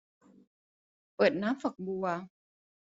เปิดน้ำฝักบัว